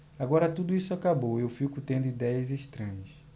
agora tudo isso acabou e eu fico tendo idéias estranhas